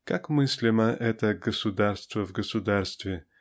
Как мыслимо это "государство в государстве"